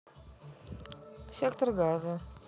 сектор газа